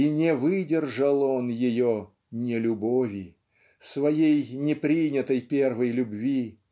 и не выдержал он ее "нелюбови", своей непринятой первой любви,